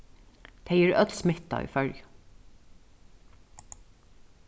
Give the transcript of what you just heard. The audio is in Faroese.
tey eru øll smittað í føroyum